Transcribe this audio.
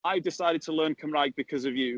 I've decided to learn Cymraeg because of you.